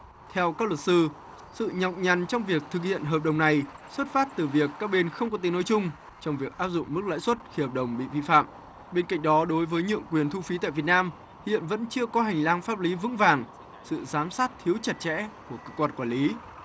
theo các luật sư sự nhọc nhằn trong việc thực hiện hợp đồng này xuất phát từ việc các bên không có tiếng nói chung trong việc áp dụng mức lãi suất khi hợp đồng bị vi phạm bên cạnh đó đối với nhượng quyền thu phí tại việt nam hiện vẫn chưa có hành lang pháp lý vững vàng sự giám sát thiếu chặt chẽ của cơ quan quản lý